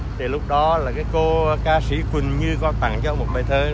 thì lúc đó là cái cô ca sĩ quỳnh như có tặng cho một bài thơ